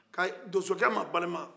ka donsokɛ mabalenma